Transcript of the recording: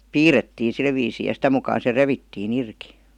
piirrettiin sillä viisiin ja sitä mukaan se revittiin irti